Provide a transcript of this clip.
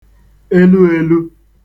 eluēlū